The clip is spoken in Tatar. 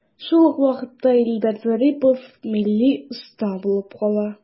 Шул ук вакытта Илдар Зарипов милли оста булып кала.